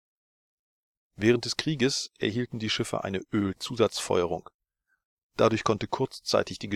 Während des Krieges erhielten die Schiffe eine Öl-Zusatzfeuerung. Dadurch konnte kurzfristig die